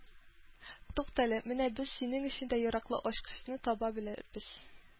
Туктале, менә без синең өчен дә яраклы ачкычны таба белербез